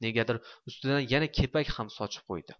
negadir ustidan yana kepak ham sochib qo'ydi